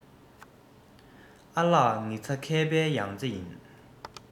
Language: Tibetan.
ཨ ལགས ངྷི ཚ མཁས པའི ཡང རྩེ ཡིན